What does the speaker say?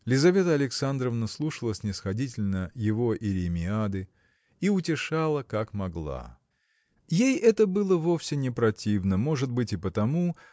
Лизавета Александровна слушала снисходительно его иеремиады и утешала как могла. Ей это было вовсе не противно может быть и потому